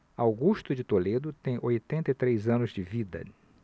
augusto de toledo tem oitenta e três anos de vida